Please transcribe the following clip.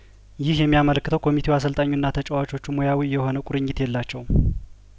ይህ የሚያመለክተው ኮሚቴው አሰልጣኙና ተጫዋቹ ሙያዊ የሆነ ቁርኝት የላቸውም